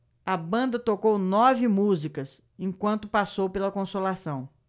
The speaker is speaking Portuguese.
a banda tocou nove músicas enquanto passou pela consolação